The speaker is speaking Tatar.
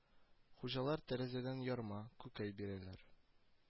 Хуҗалар тәрәзәдән ярма, күкәй бирәләр